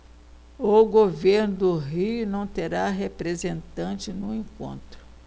o governo do rio não terá representante no encontro